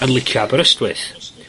yn licio Aberystwyth.